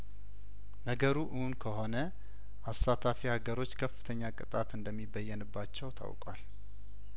ነገሩ እውን ከሆነ አሳታፊ ሀገሮች ከፍተኛ ቅጣት እንደሚበየንባቸው ታውቋል